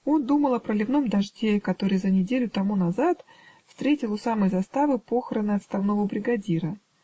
Он думал о проливном дожде, который, за неделю тому назад, встретил у самой заставы похороны отставного бригадира.